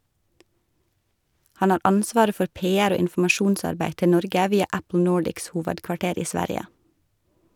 Han har ansvaret for PR- og informasjonsarbeid til Norge via Apple Nordics hovedkvarter i Sverige.